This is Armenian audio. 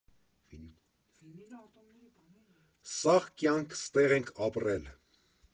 Սաղ կյանք ստեղ ենք ապրել։